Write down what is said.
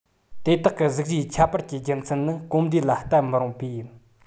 དེ དག གི གཟུགས གཞིའི ཁྱད པར གྱི རྒྱུ མཚན ནི གོམས འདྲིས ལ གཏད མི རུང པས ཡིན